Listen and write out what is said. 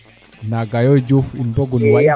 naga yo Diouf in mbogum